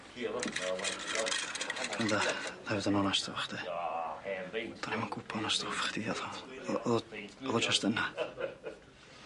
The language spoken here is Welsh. Granda na'i fod yn onest efo chdi. Do'n i'm yn gwbod na stwff chdi o'dd o- o- o'dd o jyst yna.